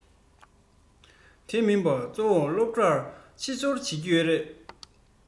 དེ མིན པ གཙོ བོ སློབ གྲྭར ཕྱི འབྱོར བྱེད ཀྱི ཡོད རེད